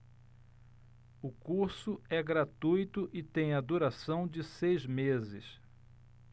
o curso é gratuito e tem a duração de seis meses